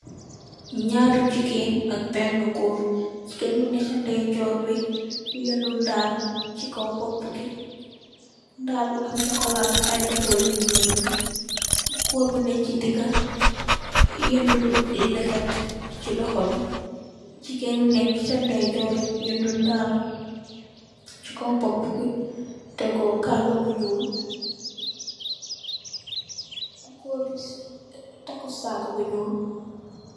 Niarel jige"en ak bena gorr jige"en bu n'eka dejor bi mungi yeno daal sikaw bopo gi daal bu am "chochola " ak aye bindi bu null gorr bu n'eka si dega bi mungi yeno leket si loho bi jigeen bu 'neka si denjor bi mungi yeno daal tedo kala bu null gor bi taka sac bu null .